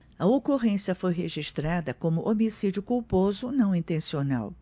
a ocorrência foi registrada como homicídio culposo não intencional